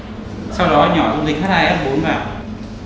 sau đó nhỉ dung dịch hắt hai ét ô bốn vào